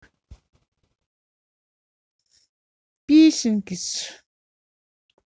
песенки с